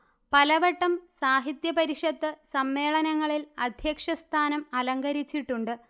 പലവട്ടം സാഹിത്യ പരിഷത്ത് സമ്മേളനങ്ങളിൽ അധ്യക്ഷസ്ഥാനം അലങ്കരിച്ചിട്ടുണ്ട്